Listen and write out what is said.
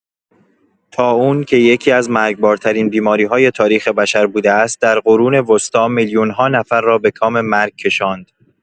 طاعون که یکی‌از مرگبارترین بیماری‌های تاریخ بشر بوده است، در قرون وسطی میلیون‌ها نفر را به کام مرگ کشاند.